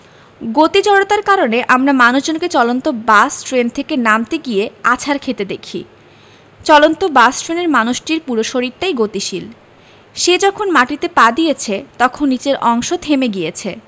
গতি জড়তার কারণে আমরা মানুষজনকে চলন্ত বাস ট্রেন থেকে নামতে গিয়ে আছাড় খেতে দেখি চলন্ত বাস ট্রেনের মানুষটির পুরো শরীরটাই গতিশীল সে যখন মাটিতে পা দিয়েছে তখন নিচের অংশ থেমে গিয়েছে